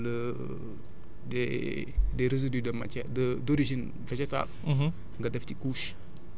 boo gasee sa trou nga jël des des résidus de matières de d' origine végétale